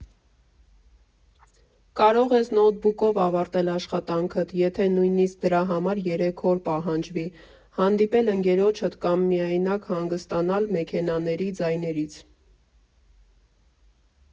Կարող ես նոթբուքով ավարտել աշխատանքդ, եթե նույնիսկ դրա համար երեք օր պահանջվի, հանդիպել ընկերոջդ կամ միայնակ հանգստանալ մեքենաների ձայներից։